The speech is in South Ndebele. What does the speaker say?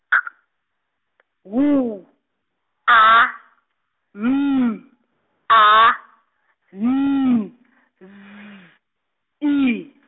K, W, A, M, A, N , Z, I.